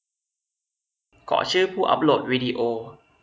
ขอชื่อผู้อัพโหลดวีดีโอ